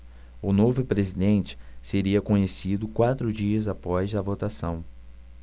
o novo presidente seria conhecido quatro dias após a votação